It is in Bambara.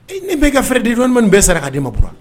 Ni bɛ kaɛrɛ di jɔn minnu bɛ sara k' d dii ma ban